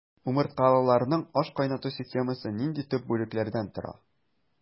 Умырткалыларның ашкайнату системасы нинди төп бүлекләрдән тора?